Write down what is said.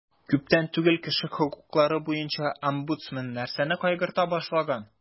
Күптән түгел кеше хокуклары буенча омбудсмен нәрсәне кайгырта башлаган?